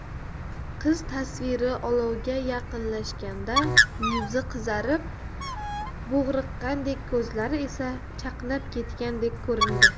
qiz tasviri olovga yaqinlashganda yuzi qizarib bo'g'riqqandek ko'zlari esa chaqnab ketgandek ko'rindi